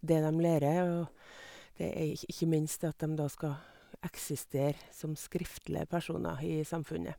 det dem lærer å det er ikj ikke minst at dem da skal eksistere som skriftlige personer i samfunnet.